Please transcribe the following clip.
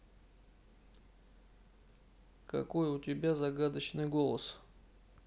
какой у тебя загадочный голос